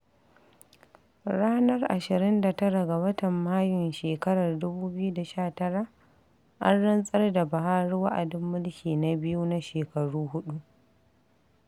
Ranar 29 ga watan Mayun shekarar 2019, an rantsar da Buhari wa'adin mulki na biyu na shekaru huɗu.